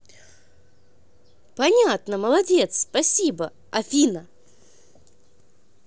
понятно молодец спасибо афина